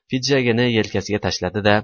pidjagini yelkasiga tashladi da